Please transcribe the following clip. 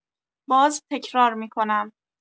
باز تکرار می‌کنم.